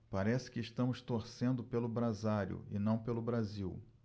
parece que estamos torcendo pelo brasário e não pelo brasil